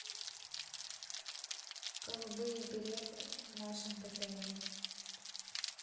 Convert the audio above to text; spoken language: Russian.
голубые береты в нашем бэтэре